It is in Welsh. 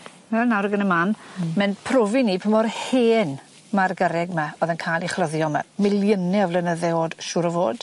'Na nawr ag yn y man. Hmm. Ma'n profi ni pa mor hen ma'r gyrreg 'ma o'dd yn ca'l ei chlyddio 'ma miliyne o flynydde o'd siŵr o fod.